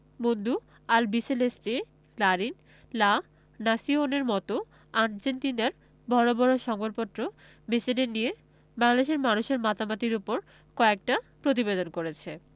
Mundo Albiceleste Clarin La Nacion র মতো আর্জেন্টিনার বড় বড় সংবাদপত্র মেসিদের নিয়ে বাংলাদেশের মানুষের মাতামাতির ওপর কয়েকটা প্রতিবেদন করেছে